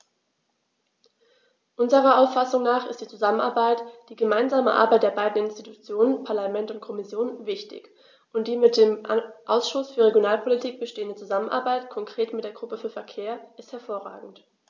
Unserer Auffassung nach ist die Zusammenarbeit, die gemeinsame Arbeit der beiden Institutionen - Parlament und Kommission - wichtig, und die mit dem Ausschuss für Regionalpolitik bestehende Zusammenarbeit, konkret mit der Gruppe für Verkehr, ist hervorragend.